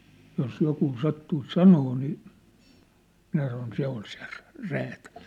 jos joku sattuisi sanomaan niin minä sanoin se on se - räätäli